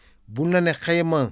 bu ñu la nee xayma